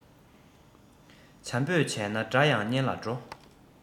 བྱམས པོས བྱས ན དགྲ ཡང གཉེན ལ འགྲོ